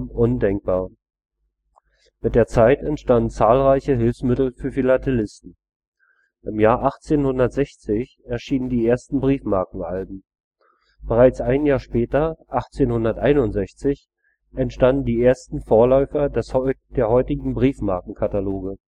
undenkbar. Mit der Zeit entstanden zahlreiche Hilfsmittel für den Philatelisten. Im Jahre 1860 erschienen die ersten Briefmarkenalben. Bereits ein Jahr später, 1861, entstanden die ersten Vorläufer der heutigen Briefmarkenkataloge